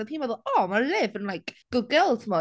a oedd hi'n meddwl, o ma Liv yn like, good girl timod?